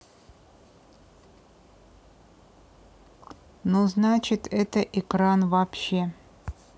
ну значит это экран вообще